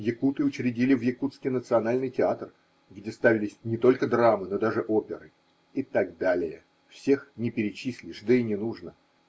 Якуты учредили в Якутске национальный театр, где ставились не только драмы, но даже оперы и т.д. Всех не перечислишь, да и не нужно.